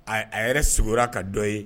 A a yɛrɛ sigiyɔrɔ ka dɔ ye